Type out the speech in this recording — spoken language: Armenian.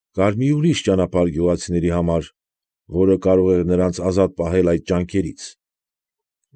Կար մի ուրիշ ճանապարհ գյուղացիների համար, որը կարող էր նրանց ազատ պահել այդ ճանկերից։